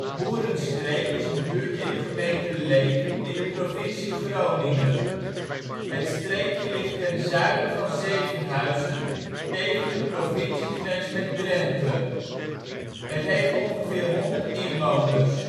Boerestreek) is een buurt in de gemeente Leek in de provincie Groningen. Het streekje ligt ten zuiden van Zevenhuizen, tegen de provinciegrens met Drenthe. Het heeft ongeveer 100 inwoners